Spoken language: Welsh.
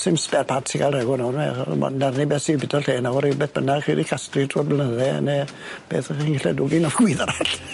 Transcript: Sim sbêr parts i ga'l ragor nawr yy ma' 'nar uni' beth sy'n ffito'r lle nawr yw beth bynnag chi 'di casglu trw'r blynydde ne' beth fydde chi'n gallu dwgyn off gwydd arall.